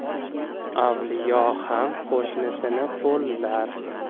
avliyo ham qo'shnisini qo'llar